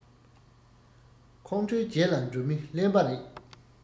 ཁོང ཁྲོའི རྗེས ལ འགྲོ མི གླེན པ རེད